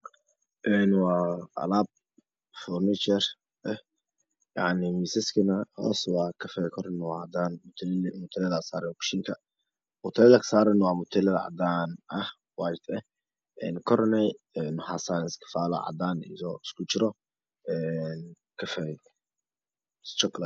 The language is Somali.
Waa alaap fooneshar yacni miisas kana waa hoos waa kafee korna waa cadaan mutuleel saran kushinka mutuleka saran waa mutuleel cadaana ah korna waxaa saran iskifaala cadana h isku jira midap cadaana ah iyo kafeee